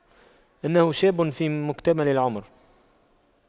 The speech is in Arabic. إنه شاب في مقتبل العمر